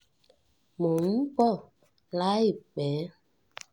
Mò ń bò láìpẹ́.